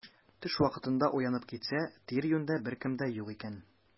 Төш вакытында уянып китсә, тирә-юньдә беркем дә юк икән.